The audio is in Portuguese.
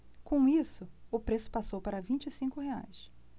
com isso o preço passou para vinte e cinco reais